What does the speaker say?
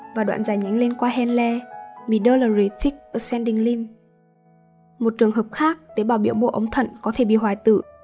và đoạn dày nhánh lên quai henle một trường hợp khác tế bào biểu mô ống thận có thể bị hoại tử